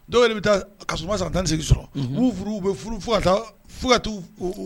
Dɔw yɛrɛ de bɛ taa ka tasuma san tan seg sɔrɔ u'u furu u bɛ fo ka taa fo ka taa